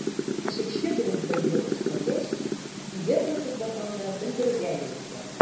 Пешекче булып бер ел эшләгәч, өйгә кайтып барганда белдерүгә юлыктым.